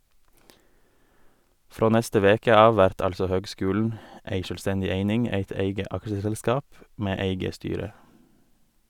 Frå neste veke av vert altså høgskulen ei sjølvstendig eining, eit eige aksjeselskap med eige styre.